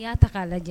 N’i y'a ta ka lajɛ